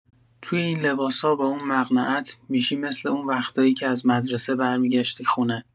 توی این لباسا با اون مقعنه‌ات می‌شی مثل اون وقتایی که از مدرسه برمی‌گشتی خونه.